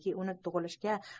negaki uni tug'ilishga